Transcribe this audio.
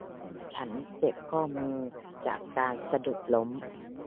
ฉันเจ็บข้อมือจากการสะดุดล้ม